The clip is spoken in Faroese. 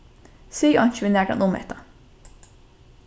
sig einki við nakran um hetta